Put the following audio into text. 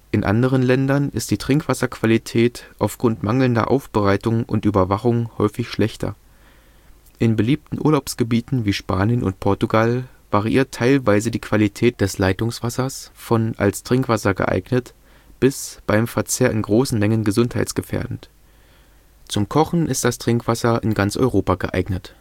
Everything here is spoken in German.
In anderen Ländern ist die Trinkwasserqualität aufgrund mangelnder Aufbereitung und Überwachung häufig schlechter. In beliebten Urlaubsgebieten wie Spanien und Portugal variiert teilweise die Qualität des Leitungswassers von „ Als Trinkwasser geeignet “bis „ Beim Verzehr in großen Mengen gesundheitsgefährdend “. Zum Kochen ist das Trinkwasser in ganz Europa geeignet